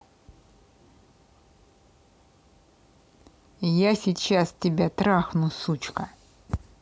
я сейчас тебя трахну сучка